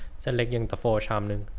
เส้นเล็กเย็นตาโฟชามนึง